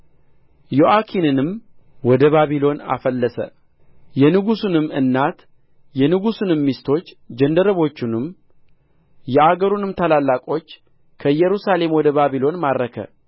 ዮአኮንንም ወደ ባቢሎን አፈለሰ የንጉሡንም እናት የንጉሡንም ሚስቶች ጃንደረቦቹንም የአገሩንም ታላላቆች ከኢየሩሳሌም ወደ ባቢሎን ማረከ